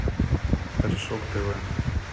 аришок тв